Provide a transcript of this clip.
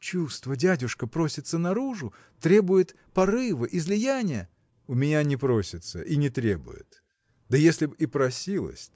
– Чувство, дядюшка, просится наружу, требует порыва, излияния. – У меня не просится и не требует да если б и просилось